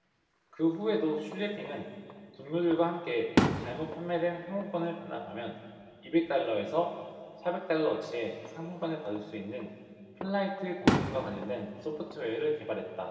그후에도 슐레핑은 동료들과 함께 잘못 판매된 항공권을 반납하면 이백 달러 에서 사백 달러어치의 상품권을 받을 수 있는 플라이트 범핑과 관련된 소프트웨어를 개발했다